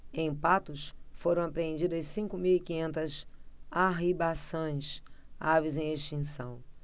em patos foram apreendidas cinco mil e quinhentas arribaçãs aves em extinção